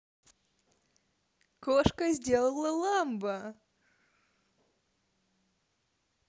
кошка сделала ламбо